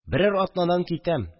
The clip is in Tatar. Берәр атнадан китәм